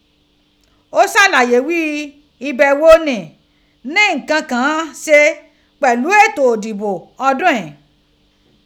O ṣalaye ghi ibẹ̀ghò ni, ni nkankan ṣe pẹlu eto idibo ọdun ghin.